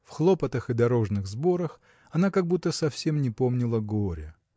В хлопотах и дорожных сборах она как будто совсем не помнила горя.